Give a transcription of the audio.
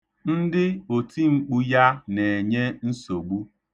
Ndị otimkpu ya na-enye nsogbu.